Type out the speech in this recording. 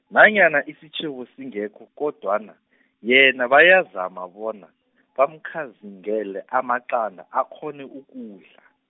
nanyana isitjhebo singekho kodwana , yena bayazama bona bamkhanzingele amaqanda akghone ukudla.